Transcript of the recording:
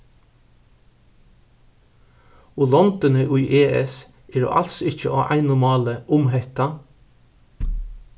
og londini í es eru als ikki á einum máli um hetta